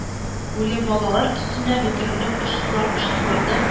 . үле балалары өстендә бөтерелеп очтылар-очтылар да,